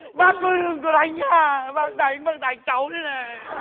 bác ưi đừng có đánh hà bác đánh bác đánh cháu đây này